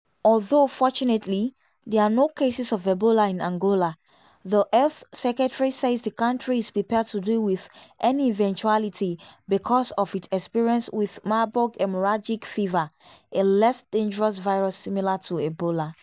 Although fortunately there are no cases of Ebola in Angola, the health secretary says the country is prepared to deal with any eventuality because of its experience with Marburg haemorrhagic fever, a less dangerous virus similar to ebola.